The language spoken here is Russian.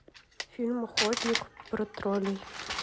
фильм охотник про троллей